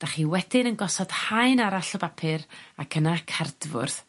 'dach chi wedyn yn gosod haen arall o bapur ac yna cerdfwrdd